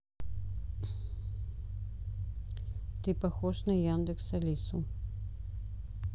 ты похож на яндекс алису